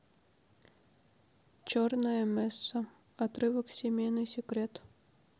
черная месса отрывок семейный секрет